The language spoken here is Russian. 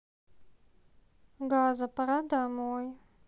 газа пора домой